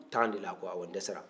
tan de la ko awɔ n dɛsɛra